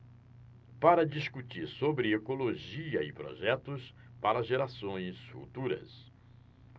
para discutir sobre ecologia e projetos para gerações futuras